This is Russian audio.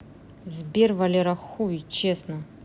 сбер валера хуй честно